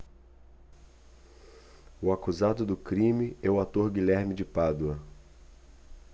o acusado do crime é o ator guilherme de pádua